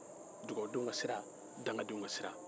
dugawudenw ka sira ni dakandenw ka sira